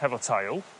hefo tail